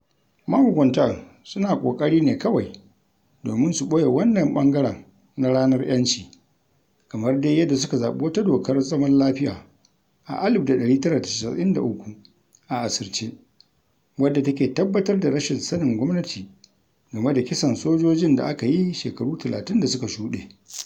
Mahukuntan suna ƙoƙari ne kawai domin su ɓoye wannan ɓangaren na ranar 'yanci, kamar dai yadda suka zaɓi wata dokar zaman lafiya a 1993 a asirce, wadda take tabbatar da rashin sanin gwamnati game da kisan sojojin da aka yi shekaru 30 da suka shuɗe.